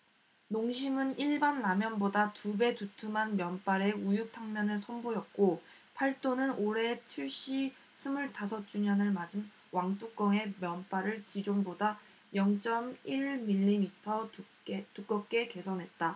농심은 일반라면보다 두 배 두툼한 면발의 우육탕면을 선보였고 팔도는 올해 출시 스물 다섯 주년을 맞은 왕뚜껑의 면발을 기존보다 영 쩜 일 밀리미터 두껍게 개선했다